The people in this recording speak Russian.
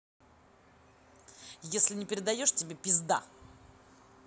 если не передаешь тебе пизда